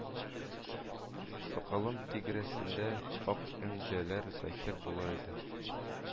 Сакалым тигрәсендә ак энҗеләр заһир булыр иде